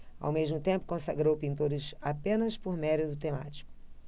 ao mesmo tempo consagrou pintores apenas por mérito temático